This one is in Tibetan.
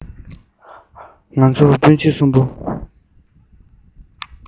ཁ བ བབས པའི ཞོགས པ ཞིག ལ སྐྱེས པ རེད ཟེར